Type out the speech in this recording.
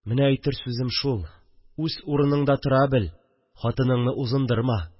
Менә әйтер сүзем шул: үз урыныңда тора бел, хатыныңны узындырма